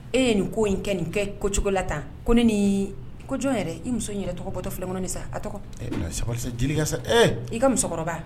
E ye nin ko in kɛ nin kɛ ko cogo la tan ko ne ni ko jɔn yɛrɛ i muso yɛrɛ tɔgɔ bɔtɔ filɛ kɔnɔ sa ka i ka musokɔrɔba